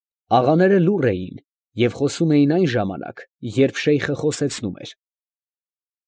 Աղաները լուռ էին և խոսում էին այն ժամանակ, երբ Շեյխը խոսեցնում էր։